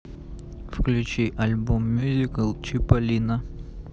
включи альбом мюзикл чиполлино